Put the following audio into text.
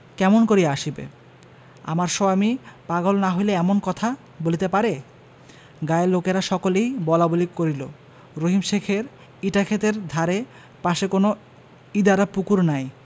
কেমন করিয়া আসিবে আমার সোয়ামী পাগল না হইলে এমন কথা বলিতে পারে গায়ের লোকেরা সকলেই বলাবলি করিল রহিম শেখের ইটাক্ষেতের ধারে পাশে কোনো ইদারা পুকুর নাই